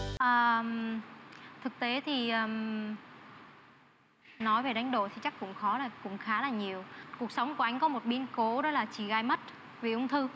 ờm thực tế thì ờm nói về đánh đổi thì chắc cũng khó cũng khá là nhiều cuộc sống của ánh có một biến cố đó là chị gái mất vì ung thư